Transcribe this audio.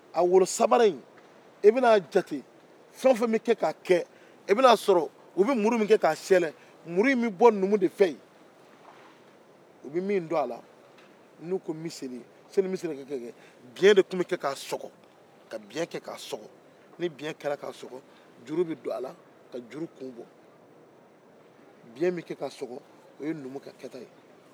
ni biyɛn kɛla k'a sɔgɔ juru bɛ don a la ka juru kun bɔ biyɛn min bɛ kɛ k'a sɔgɔ o ye numu ka kɛta ye nka golo in o ye garankew ka fan ye